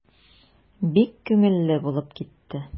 Бик күңелле булып китте.